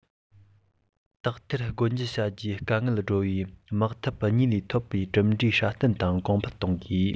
དག ཐེར སྒོ རྒྱག བྱ རྒྱུའི དཀའ གནད སྒྲོལ བའི དམག འཐབ གཉིས ལས ཐོབ པའི གྲུབ འབྲས སྲ བརྟན དང གོང འཕེལ གཏོང དགོས